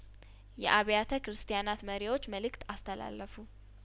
የአብያተ ክርስቲያናት መሪዎች መልእክት አስተላለፉ